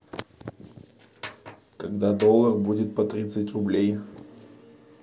когда доллар будет по тридцать рублей